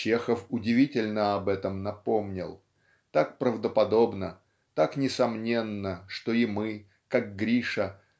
Чехов удивительно об этом напомнил. Так правдоподобно так несомненно что и мы как Гриша